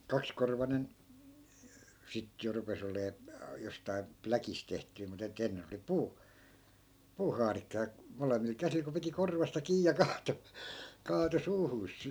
kaksikorvainen sitten jo rupesi olemaan jostakin pläkistä tehty mutta että ennen oli - puuhaarikka ja molemmilla käsillä kun piti korvasta kiinni ja kaatoi kaatoi suuhunsa